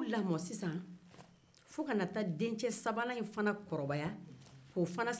u y'u lamɔ fo ka dencɛ sabanan